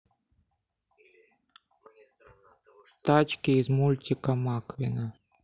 тачки из мультика маквина